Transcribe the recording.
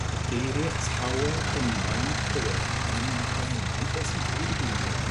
Y geirie tawel hynny mae'n 'u clywed yn 'i ben, nid fe sy'n dweud y geirie.